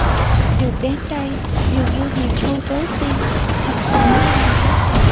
được đến đây dường như niềm vui với teen thành phố là bất tận